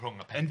rhwng y petha.